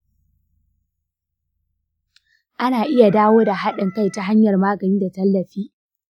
ana iya dawo da haɗin kai ta hanyar magani da tallafi.